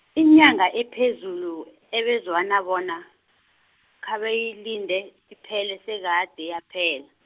inyanga ephezulu, ebezwana bona, khebayilinde, iphele sekade yaphela.